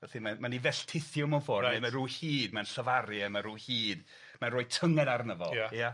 Felly mae mae'n 'i felltithio mewn ffordd neu...Reit. mae ryw hud mae'n llyfaru a ma' ryw hud mae'n roi tynged arno fo. Ia. Ia?